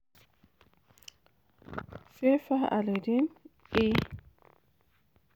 ""Peppa aleden," eh."